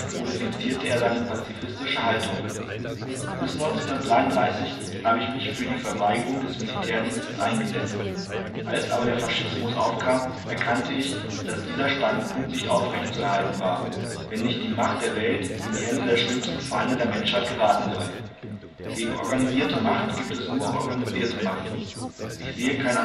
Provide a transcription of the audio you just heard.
modifizierte er seine pazifistische Haltung: „ Bis 1933 habe ich mich für die Verweigerung des Militärdienstes eingesetzt. Als aber der Faschismus aufkam, erkannte ich, dass dieser Standpunkt nicht aufrechtzuerhalten war, wenn nicht die Macht der Welt in die Hände der schlimmsten Feinde der Menschheit geraten soll. Gegen organisierte Macht gibt es nur organisierte Macht; ich sehe kein